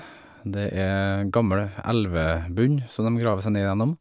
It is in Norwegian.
Det er gammel elvebunn som dem graver seg ned gjennom.